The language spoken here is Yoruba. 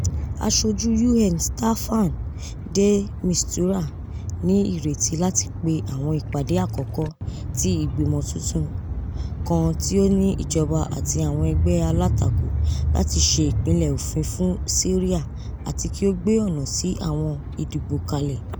Aṣoju UN Staffan de Mistura ni ireti lati pe awọn ipade akọkọ ti igbimọ tuntun kan ti o ni ijọba ati awọn ẹgbẹ alatako lati ṣe ipinlẹ ofin fun Siria ati ki o gbe ọna si awọn idibo kalẹ.